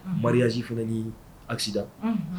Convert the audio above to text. Mariayasi fana ni asida